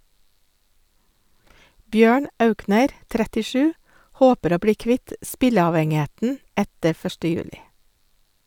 Bjørn Aukner (37) håper å bli kvitt spilleavhengigheten etter 1. juli.